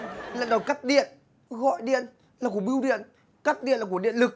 lại đòi cắt điện gọi điện là của bưu điện cắt điện là của điện lực